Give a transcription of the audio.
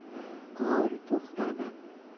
qor to'xtadi